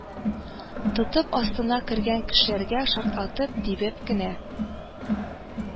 Тотып астына кергән кешеләргә шартлатып тибеп кенә